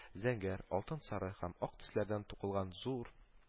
Зәңгәр, алтын сары һәм ак төсләрдән тукылган зур